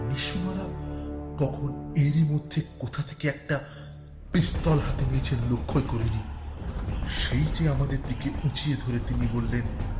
Nishimura কখন এরই মধ্যে কোথা থেকে একটা পিস্তল হাতে নিয়েছে লক্ষই করিনি সেটি আমাদের দিকে উঁচিয়ে ধরে তিনি বললেন